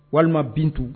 Walima Bintu